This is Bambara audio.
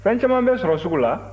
fɛn caman bɛ sɔrɔ sugu la